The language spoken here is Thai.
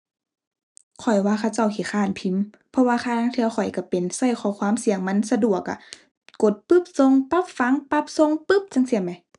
ข้อยว่าเขาเจ้าขี้คร้านพิมพ์ เพราะว่าห่าลางเทื่อข้อยก็เป็น ก็ข้อความเสียงมันสะดวกอะ กดปึ๊บส่งปั๊บ ฟังปั๊บส่งปึ๊บ จั่งซี้แหม